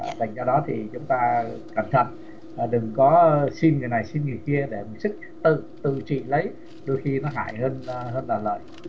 vậy do đó thì chúng ta cẩn thận và đừng có xin người xin người kia để sức tự trị lấy đôi khi nó hại hơn là là